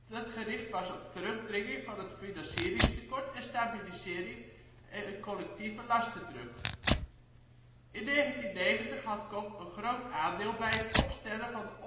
dat gericht was op terugdringing van het financieringstekort en stablisering van de collectieve lastendruk. In 1990 had Kok een groot aandeel bij het opstellen van de